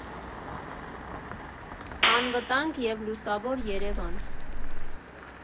Անվտանգ և լուսավոր Երևան։